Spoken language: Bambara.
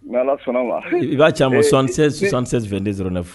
I'a ca masɛ2 de dɔrɔn ne fɔ